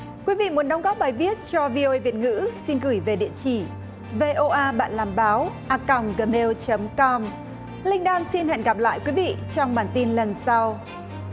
quý vị muốn đóng góp bài viết cho vi ô ây việt ngữ xin gửi về địa chỉ vê ô a bạn làm báo a còng gờ mêu chấm com linh đan xin hẹn gặp lại quý vị trong bản tin lần sau